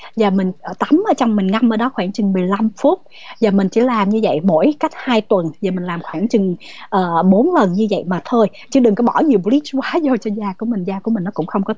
dạ mình ở tắm ở trong mình ngâm thôi đó khoảng chừng mười lăm phút giờ mình chỉ làm như vậy mỗi cách hai tuần và mình làm khoảng chừng ờ bốn lần như vậy mà thôi chứ đừng có bỏ nhiều bờ lít chu quá nhiều trên da của mình da của mình nó cũng không có tốt